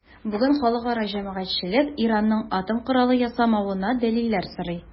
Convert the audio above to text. Бүген халыкара җәмәгатьчелек Иранның атом коралы ясамавына дәлилләр сорый.